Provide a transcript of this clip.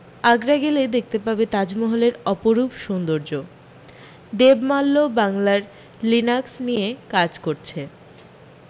আগ্রা গেলে দেখতে পাবে তাজমহলের অপরূপ সৌন্দর্য দেবমাল্য বাংলার লিনাক্স নিয়ে কাজ করছে